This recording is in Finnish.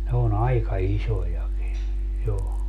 ne on aika isojakin jo